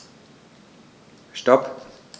Stop.